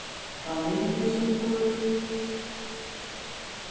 vaniljusukur